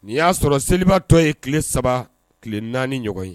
Nin ya sɔrɔ seliba tɔ ye kile 3 kile 4 ɲɔgɔn ye.